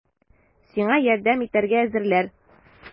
Сиңа ярдәм итәргә әзерләр!